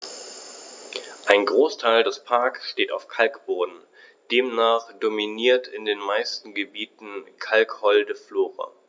Ein Großteil des Parks steht auf Kalkboden, demnach dominiert in den meisten Gebieten kalkholde Flora.